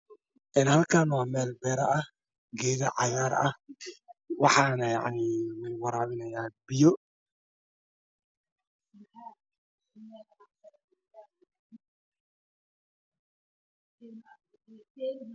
Halkaan waa meel beer ah geeda cagaar ah waxaana waraabinaya biyo